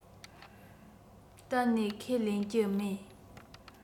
གཏན ནས ཁས ལེན གྱི མེད